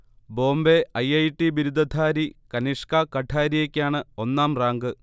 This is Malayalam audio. ബോംബെ ഐ. ഐ. ടി. ബിരുദധാരി കനിഷ്ക കഠാരിയയ്ക്കാണ് ഒന്നാം റാങ്ക്